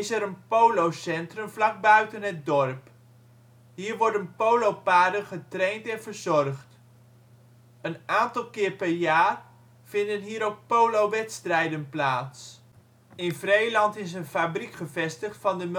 een polo-centrum vlak buiten het dorp. Hier worden polo-paarden getraind en verzorgd. Een aantal keer per jaar vinden hier ook polo-wedstrijden plaats. In Vreeland is een fabriek gevestigd van de